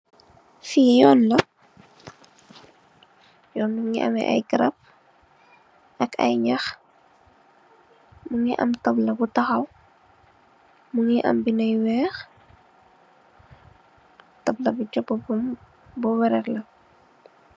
Fi yuñ la.yun bi mu ngi am ai garap ak ai nyah mu ngi am tapla bu tahaw bu am binda nyu weex tabla bi si bopam bu weregg la.